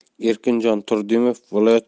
erkinjon turdimov viloyati